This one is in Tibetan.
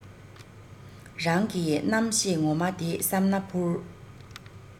རང གི རྣམ ཤེས ངོ མ དེ བསམ ན འཕུར